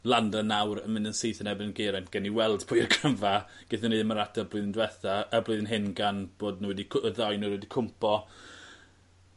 Landa nawr yn mynd yn syth yn erbyn Geraint. Gewn ni weld pwy yw'r cryfa. Gethon ni ddim yr ateb blwyddyn dwetha a blwyddyn hyn gan bod nw wedi cw- y ddau o n'w wedi cwmpo